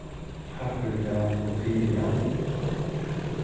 paprika og timian